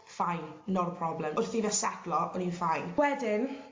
fine nor a problem wrth i fe setlo o'n i'n fine. Wedyn